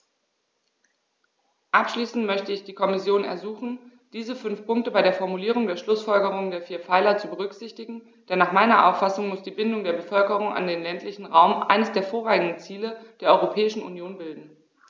Abschließend möchte ich die Kommission ersuchen, diese fünf Punkte bei der Formulierung der Schlußfolgerungen der vier Pfeiler zu berücksichtigen, denn nach meiner Auffassung muss die Bindung der Bevölkerung an den ländlichen Raum eines der vorrangigen Ziele der Europäischen Union bilden.